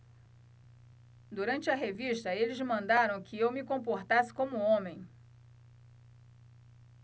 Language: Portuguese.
durante a revista eles mandaram que eu me comportasse como homem